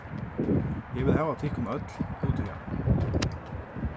eg vil hava tykkum øll út hiðani